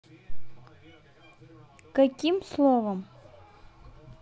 каким словом